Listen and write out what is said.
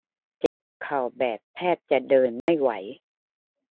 เจ็บเข่าแบบแทบจะเดินไม่ไหว